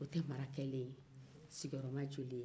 o tɛ mara kɛlen ye sigiyɔrɔma joli ye